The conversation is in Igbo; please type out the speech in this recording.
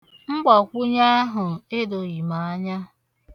Mgbakwụnye ahụ edoghị m anya.